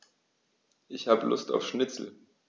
Ich habe Lust auf Schnitzel.